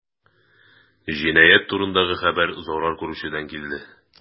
Җинаять турындагы хәбәр зарар күрүчедән килде.